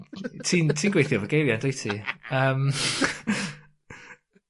Ti'n ti'n gweithio efo geirie on'd wyt ti yym.